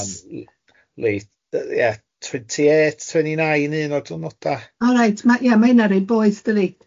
So odd late yy yeah twenty eight, twenty nine, un o'r diwrnoda. O reit, ma' ie ma' hynna'n roid boeth dydi?